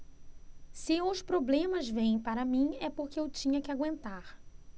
se os problemas vêm para mim é porque eu tinha que aguentar